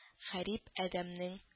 Гарип адәмнең